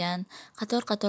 qator qator